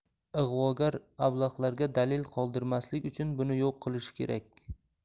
ig'vogar ablahlarga dalil qoldirmaslik uchun buni yo'q qilishi kerak